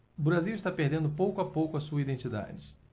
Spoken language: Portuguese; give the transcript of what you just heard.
o brasil está perdendo pouco a pouco a sua identidade